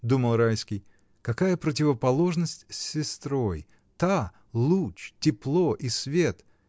— думал Райский, — какая противоположность с сестрой: та луч, тепло и свет